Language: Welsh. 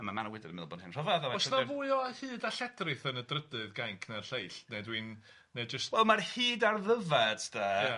...a ma' Manawydr yn meddwl bod hi'n rhyfedd... os na fwy o hyd a lledrith yn y drydydd gainc na'r lleill neu dwi'n neu jyst. ...wel ma'r hyd a'r ddyfad de... Ia.